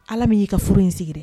Ala min y'i ka furu in sigi